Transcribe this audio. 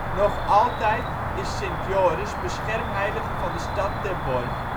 Nog altijd is Sint Joris beschermheilige van de stad Terborg